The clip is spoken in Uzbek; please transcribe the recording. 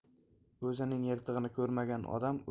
o'zining yirtig'ini ko'rmagan